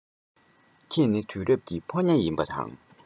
ཁྱེད ནི དུས རབས ཀྱི ཕོ ཉ ཡིན པ དང